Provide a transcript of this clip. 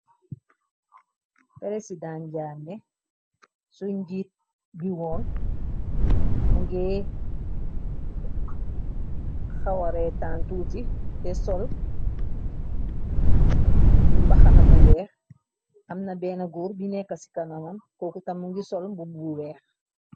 Presiden jammeh sun njiit bi woon mu ngiy hawaretaan tuuti. Teh sol mbahana bu weeh. Amna benn góor bi nekka ci kanamam kokutam mu ngi sol mbub bu weeh.